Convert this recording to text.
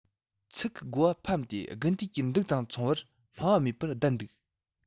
ཚིག གིས རྒོལ བ ཕམ སྟེ དགུན དུས ཀྱི འབྲུག དང མཚུངས པར སྨྲ བ མེད པར བསྡད འདུག